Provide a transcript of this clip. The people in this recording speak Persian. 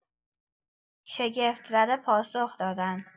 شگفت‌زده پاسخ دادند